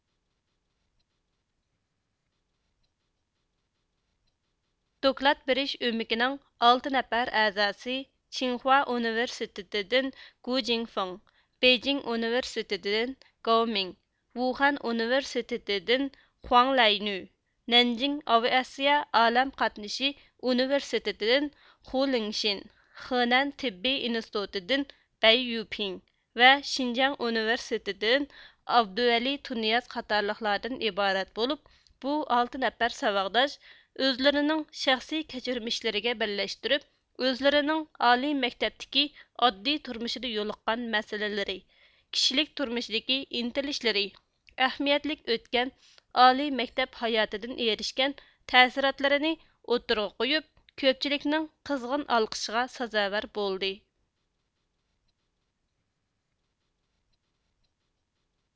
دوكلات بېرىش ئۆمىكىنىڭ ئالتە نەپەر ئەزاسى چىڭخۇا ئۇنىۋېرسىتېتىدىن گۇجېنفېڭ بېيجىڭ ئۇنىۋېرسىتېتىدىن گاۋمىڭ ۋۇخەن ئۇنىۋېرسىتېتىدىن خۇاڭلەينۈ نەنجىڭ ئاۋىئاتسىيە ئالەم قاتنىشى ئۇنىۋېرسىتېتىدىن خۇلېڭشىن خېنەن تېببىي ئىنستىتۇتىدىن بەييۈپىڭ ۋە شىنجاڭ ئۇنىۋېرسىتېتىدىن ئابدۇۋەلى تۇنىياز قاتارلىقلاردىن ئىبارەت بولۇپ بۇ ئالتە نەپەر ساۋاقداش ئۆزلىرىنىڭ شەخسىي كەچۈرمىشلىرىگە بىرلەشتۈرۈپ ئۆزلىرىنىڭ ئالىي مەكتەپتىكى ئاددىي تۇرمۇشىدا يولۇققان مەسىلىلىرى كىشىلىك تۇرمۇشىدىكى ئىنتىلىشلىرى ئەھمىيەتلىك ئۆتكەن ئالىي مەكتەپ ھاياتىدىن ئېرىشكەن تەسىراتلىرىنى ئوتتۇرىغا قويۇپ كۆپچىلىكنىڭ قىزغىن ئالقىشىغا سازاۋەر بولدى